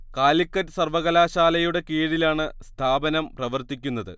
കാലിക്കറ്റ് സർവ്വകലാശാലയുടെ കീഴിലാണ് സ്ഥാപനം പ്രവർത്തിക്കുന്നത്